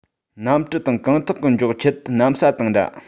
གནམ གྲུ དང རྐང ཐང གི མགྱོགས ཁྱད གནམ ས དང འདྲ